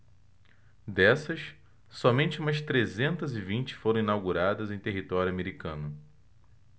dessas somente umas trezentas e vinte foram inauguradas em território americano